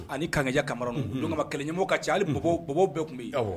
Ani kangaja kamara ninnu, unhun, donc kɛlɛ ɲɛmɔgɔw ka ca hali bɔbɔw bɔbɔw bɛɛ tun bɛ yen